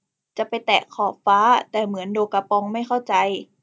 จะไปแตะขอบฟ้าแต่เหมือนโดกาปองไม่เข้าใจ